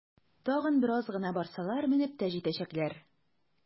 Тагын бераз гына барсалар, менеп тә җитәчәкләр!